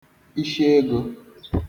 ishiegō